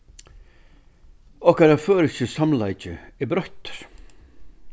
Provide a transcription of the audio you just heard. okkara føroyski samleiki er broyttur